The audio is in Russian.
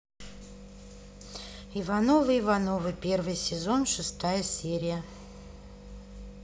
ивановы ивановы первый сезон шестая серия